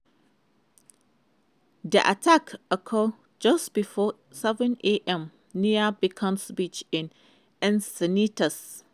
The attack occurred just before 7 a.m. near Beacon's Beach in Encinitas.